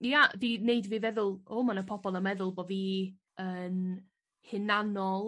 ia 'di neud fi feddwl o ma' 'na pobol yn meddwl bo' fi yn hunanol